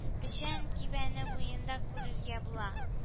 Печән кибәне буенда күрергә була